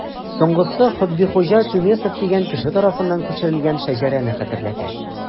Соңгысы Хөббихуҗа Тюмесев дигән кеше тарафыннан күчерелгән шәҗәрәне хәтерләтә.